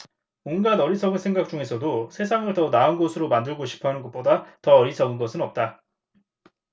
온갖 어리석은 생각 중에서도 세상을 더 나은 곳으로 만들고 싶어 하는 것보다 더 어리석은 것은 없다